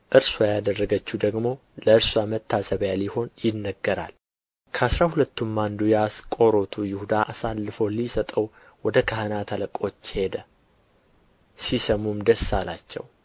እርስዋ ያደረገችው ደግሞ ለእርስዋ መታሰቢያ ሊሆን ይነገራል ከአሥራ ሁለቱም አንዱ የአስቆሮቱ ይሁዳ አሳልፎ ሊሰጠው ወደ ካህናት አለቆች ሄደ ሲሰሙም ደስ አላቸው